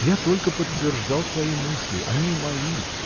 Я только подтверждал твои мысли: они и мои.